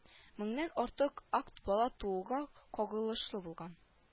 Меңнән артык акт бала тууга кагылышлы булган